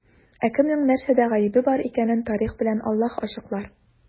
Ә кемнең нәрсәдә гаебе бар икәнен тарих белән Аллаһ ачыклар.